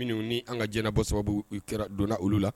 Minnu ni an ka jbɔ sababu u kɛra donna olu la